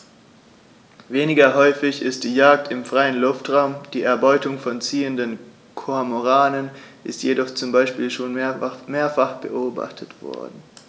Weniger häufig ist die Jagd im freien Luftraum; die Erbeutung von ziehenden Kormoranen ist jedoch zum Beispiel schon mehrfach beobachtet worden.